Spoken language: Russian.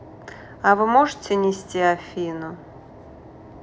а вы можете нести афину